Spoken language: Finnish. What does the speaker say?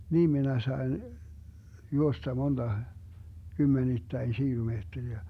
niin minä sain juosta monta kymmenittäin kilometriä